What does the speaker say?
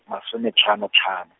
masome tlhano tlhano.